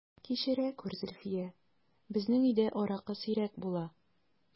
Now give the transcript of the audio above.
Кичерә күр, Зөлфия, безнең өйдә аракы сирәк була...